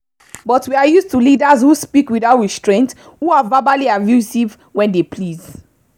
But we're used to leaders who speak without restraint, who are verbally abusive when they please.